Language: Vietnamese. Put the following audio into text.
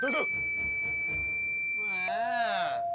từ từ á à